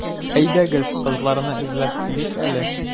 Әйдәгез, кызларны эзләп килик әле.